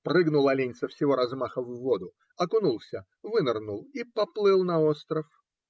Прыгнул олень со всего размаха в воду, окунулся, вынырнул и поплыл на остров.